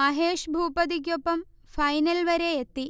മഹേഷ് ഭൂപതിക്കൊപ്പം ഫൈനൽ വരെയെത്തി